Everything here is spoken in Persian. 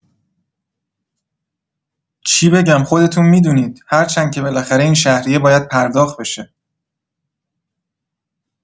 چی بگم خودتون می‌دونید هرچند که بلاخره این شهریه باید پرداخت بشه